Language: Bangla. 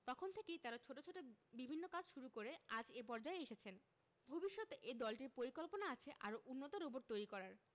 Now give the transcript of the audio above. তখন থেকেই তারা ছোট ছোট বিভিন্ন কাজ শুরু করে আজ এ পর্যায়ে এসেছেন ভবিষ্যতে এই দলটির পরিকল্পনা আছে আরও উন্নত রোবট তৈরি করার